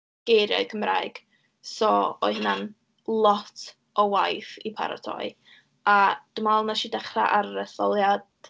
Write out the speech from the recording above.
geiriau Cymraeg. So oedd hwnna'n lot o waith i paratoi, a dwi'n meddwl wnes i dechrau ar yr etholiad...